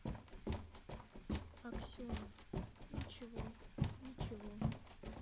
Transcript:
аксенов ничего ничего